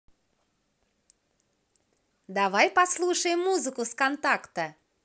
давай послушаем музыку с контакта